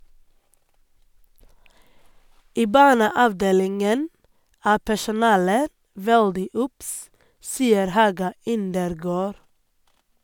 I barneavdelingen er personalet veldig obs, sier Haga Indergaard.